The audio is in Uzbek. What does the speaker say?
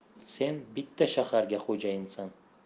sen bitta shaharga xo'jayinsan